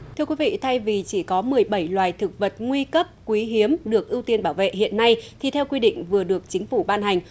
thưa quý vị thay vì chỉ có mười bẩy loài thực vật nguy cấp quý hiếm được ưu tiên bảo vệ hiện nay thì theo quy định vừa được chính phủ ban hành